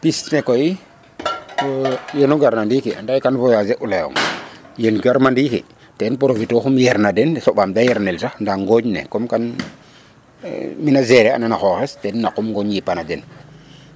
pis ne koy yenu ngarna ndiki ande kan voyage u leyoŋ yen garma ndiki ten profiter oxum yer na den soɓaam de yer nel sax nda ŋooñ ne comme kan mina gérer ana xoxes ten naqum ŋooñ yipa na den